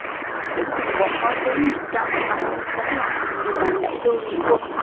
dũng cùng bọn phó tướng nhiệm trân mã ninh chống lại nhiều lần đẩy lui nghĩa quân